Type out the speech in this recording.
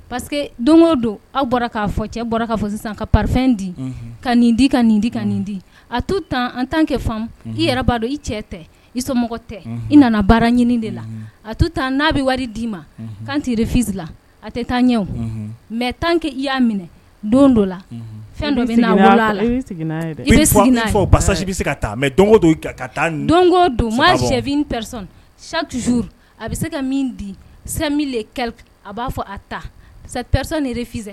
Pa que don don aw bɔra k' fɔ cɛ bɔra sisan ka di ka nin di ka nin di ka nin di a to tan an tan kɛ fan i yɛrɛ b'a dɔn i cɛ tɛ i so tɛ i nana baara ɲini de la a to n'a bɛ wari d'i ma kan tɛ i fiz la a tɛ taa ɲɛ mɛ tan kɛ i y'a minɛ don dɔ la fɛn dɔ ka don sɛ a bɛ se ka di mi a b'a fɔ a tare fizsɛ